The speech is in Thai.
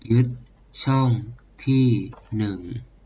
ยึดช่องที่หนึ่ง